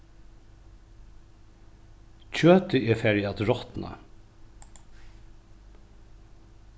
kjøtið er farið at rotna